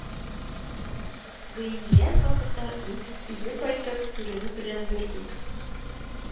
Гыйният хакында, үзе кайтып күренү белән бер үк